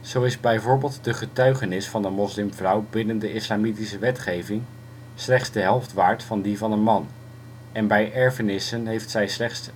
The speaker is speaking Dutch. Zo is bijvoorbeeld de getuigenis van een moslimvrouw binnen de islamitische wetgeving slechts de helft waard van die van een man, en bij erfenissen heeft zij slechts